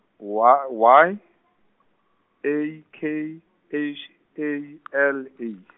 Y Y, A K H A L A.